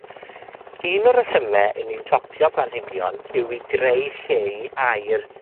Un o resyme 'yn ni'n tocio planhigion yw i greu lle i aer